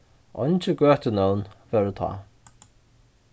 eingi gøtunøvn vóru tá